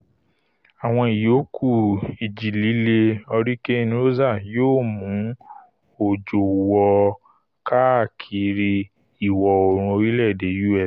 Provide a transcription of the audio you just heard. Àwọn ìyókù Ìjì-lílè Hurricane Rosa yóò mú òjò wọ káàkàkiri ìwọ̀-oòrùn orílẹ̀-èdè US